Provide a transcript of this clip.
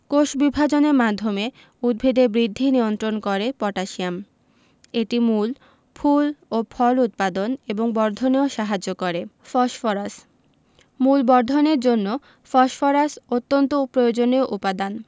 কোষবিভাজনের মাধ্যমে উদ্ভিদের বৃদ্ধি নিয়ন্ত্রণ করে পটাশিয়াম এটি মূল ফুল ও ফল উৎপাদন এবং বর্ধনেও সাহায্য করে ফসফরাস মূল বর্ধনের জন্য ফসফরাস অত্যন্ত প্রয়োজনীয় উপাদান